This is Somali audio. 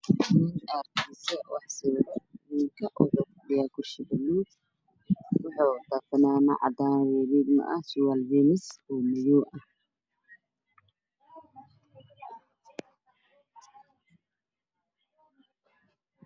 Nin oo ku fadhiya kursi nin oo artiste ah oo wax sawiraayo ninka wuxuu ku fadhiyaa kursi buluug wuxuu qabaa fanaanad cadaan iyo surwaal james oo madow ah